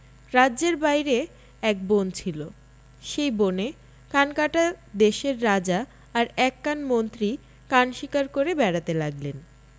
রাজ্যের বাইরে এক বন ছিল সেই বনে কানকাটা দেশের রাজা আর এক কান মন্ত্রী কান শিকার করে বেড়াতে লাগলেন